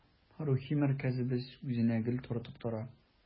Рухи мәркәзебез үзенә гел тартып тора.